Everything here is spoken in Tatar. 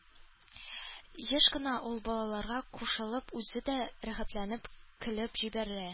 Еш кына ул, балаларга кушылып, үзе дә рәхәтләнеп көлеп җибәрә.